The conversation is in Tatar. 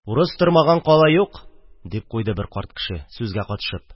Урыс тормаган кала юк, – дип куйды бер карт, сүзгә катышып.